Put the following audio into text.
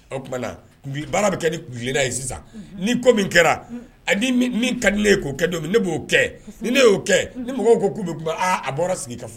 O tumaumana baara bɛ kɛ nifina ye sisan ni ko min kɛra ka ne ye' kɛ don ne'o kɛ ni ne y'o kɛ mɔgɔ ko a bɔra sigi ka fɔ